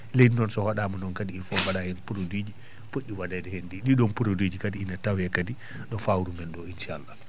leydi noon so haɗaama noon kadi il faut mbaɗaa heen produit poɗɗi waɗeede heen ɗii ɗii ɗon produit ji kadi ine tawee kadi ɗo fawru men ɗo inchallah